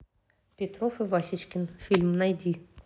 петров и васечкин фильм найди